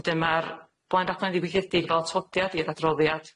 Wedyn ma'r blaenraglen ddiwygiedig fel atodiad i'r adroddiad.